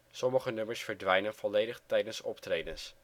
Sommige nummers verdwijnen volledig tijdens optredens